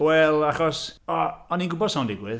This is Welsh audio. Wel, achos… o- o'n i'n gwybod 'sa fo'n digwydd.